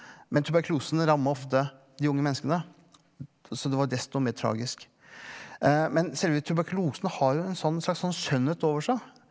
men tuberkulosen ramma ofte de unge menneskene så det var desto mer tragisk men selve tuberkulosen har jo en sånn en slags sånn skjønnhet over seg.